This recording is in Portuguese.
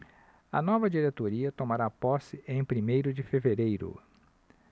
a nova diretoria tomará posse em primeiro de fevereiro